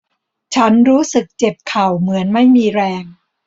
ฉันรู้สึกเจ็บเข่าเหมือนไม่มีแรง